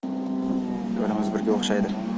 yo'limiz birga o'xshaydi